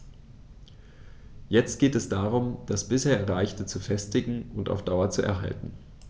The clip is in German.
Jetzt geht es darum, das bisher Erreichte zu festigen und auf Dauer zu erhalten.